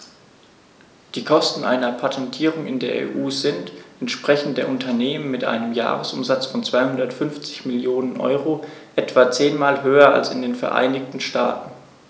Die Kosten einer Patentierung in der EU sind, entsprechend der Unternehmen mit einem Jahresumsatz von 250 Mio. EUR, etwa zehnmal höher als in den Vereinigten Staaten.